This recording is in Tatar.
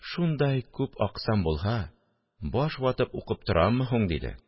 Шундай күп аксам булһа, баш ватып укып тораммы һуң!.. – диде